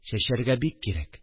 Чәчәргә бик кирәк